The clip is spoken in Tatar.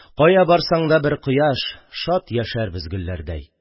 Кая барсаң да бер кояш Шат яшәрбез гөлләрдәй